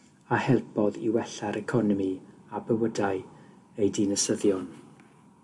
a helpodd i wella'r economi a bywydau ei dinasyddion.